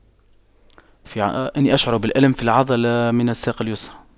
في إني اشعر بالألم في العضلة من الساق اليسرى